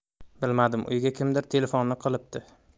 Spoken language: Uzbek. bilmadim uyga kimdir telefon qilibdi